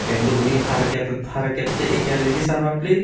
endi uning harakatda ekanini sezib